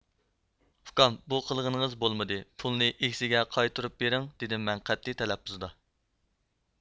ئۇكام بۇ قىلغىنىڭىز بولمىدى پۇلنى ئىگىسىگە قايتۇرۇپ بېرىڭ دېدىم مەن قەتئىي تەلەپپۇزدا